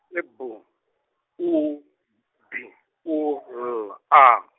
i B U G U L A.